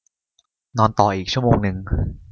นอนต่ออีกชั่วโมงนึง